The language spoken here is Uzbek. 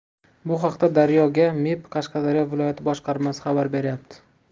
bu haqda daryo ga mib qashqadaryo viloyat boshqarmasi xabar beryapti